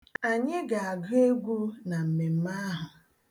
Anyị ga-agụ egwu na mmemme ahụ.